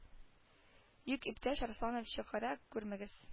Юк иптәш арсланов чакыра күрмәгез